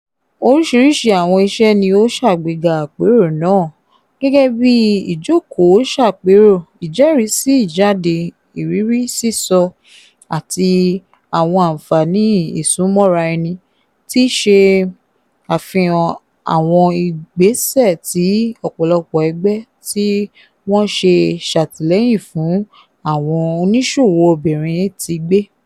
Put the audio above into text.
Oríṣiríṣi àwọn iṣẹ́ ni ó ṣàgbéga àpérò náà, gẹ́gẹ́ bíi ìjókòó-ṣàpérò, ìjẹ́rìísí ìjáde, ìrírí sísọ àti àwọn àǹfààní ìsúnmọ́raẹni ti ṣe àfihàn àwọn ìgbésẹ̀ tí ọ̀pọ̀lọpọ̀ ẹgbẹ́ tí wọ́n ṣe ṣàtìlẹ́yìn fún àwọn oníṣòwò obìnrin ti gbé.